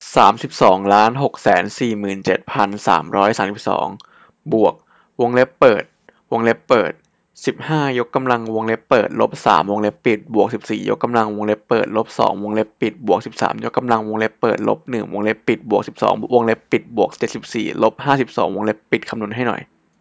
สามสิบสองล้านหกแสนสี่หมื่นเจ็ดพันสามร้อยสามสิบสองบวกวงเล็บเปิดวงเล็บเปิดสิบห้ายกกำลังวงเล็บเปิดลบสามวงเล็บปิดบวกสิบสี่ยกกำลังวงเล็บเปิดลบสองวงเล็บปิดบวกสิบสามยกกำลังวงเล็บเปิดลบหนึ่งวงเล็บปิดบวกสิบสองวงเล็บปิดบวกเจ็ดสิบสี่ลบห้าสิบสองวงเล็บปิดคำนวณให้หน่อย